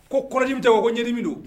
Ko kɔrɔin bɛ tɛ ko ɲani bɛ don